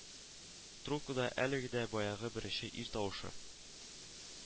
Трубкада әлеге дә баягы беренче ир тавышы